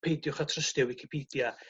peidiwch â trystio Wicipidia